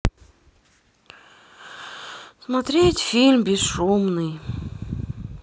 смотреть фильм бесшумный